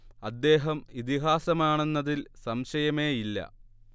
അദ്ദേഹം ഇതിഹാസമാണെന്നതിൽ സംശയമേയില്ല